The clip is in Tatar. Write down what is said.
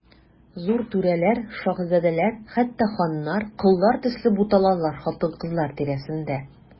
Зур түрәләр, шаһзадәләр, хәтта ханнар, коллар төсле буталалар хатын-кызлар тирәсендә.